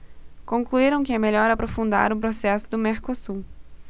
concluíram que é melhor aprofundar o processo do mercosul